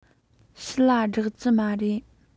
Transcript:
ཕྱི ལ བསྒྲགས ཀྱི མ རེད